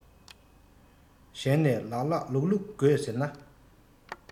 གཞན ནས ལགས ལགས ལུགས ལུགས དགོས ཟེར ན